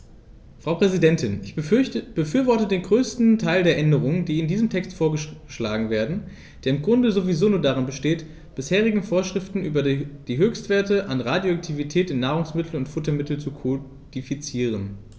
Frau Präsidentin, ich befürworte den größten Teil der Änderungen, die in diesem Text vorgeschlagen werden, der im Grunde sowieso nur darin besteht, bisherige Vorschriften über die Höchstwerte an Radioaktivität in Nahrungsmitteln und Futtermitteln zu kodifizieren.